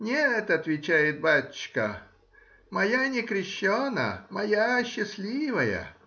— Нет,— отвечает,— бачка, моя некрещена, моя счастливая.